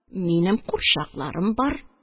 Минем курчакларым бар